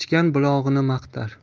suv ichgan bulog'ini maqtar